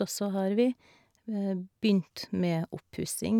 Og så har vi begynt med oppussing.